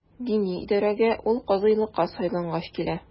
Дини идарәгә ул казыйлыкка сайлангач килә.